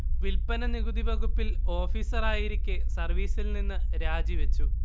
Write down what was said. വിൽപ്പന നികുതി വകുപ്പിൽ ഓഫീസറായിരിക്കെ സർവീസിൽനിന്ന് രാജിവച്ചു